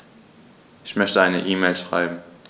Ich möchte eine E-Mail schreiben.